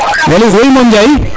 Alo koy Modou Ndaiye